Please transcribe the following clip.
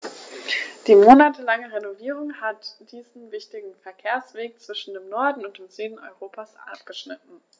Die monatelange Renovierung hat diesen wichtigen Verkehrsweg zwischen dem Norden und dem Süden Europas abgeschnitten.